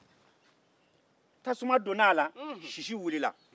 tasuma donnen a la sisi wulila